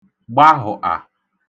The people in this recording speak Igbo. gbahụ̀'à